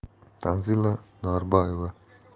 tanzila norboyeva